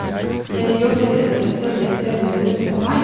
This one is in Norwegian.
Det jobb, det hørtes veldig spennende ut for meg.